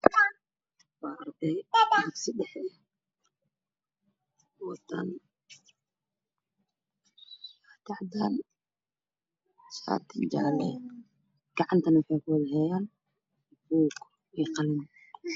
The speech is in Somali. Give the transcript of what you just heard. Waa iskool waxaa ii mooda arday wataala cadaan cashar ay qorayaan way fadhiyaan